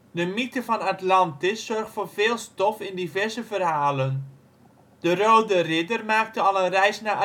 De mythe van Atlantis zorgt voor veel stof in diverse verhalen. De Rode Ridder maakte al een reis naar Atlantis